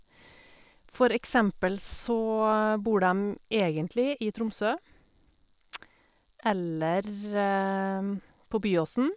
For eksempel så bor dem egentlig i Tromsø, eller på Byåsen.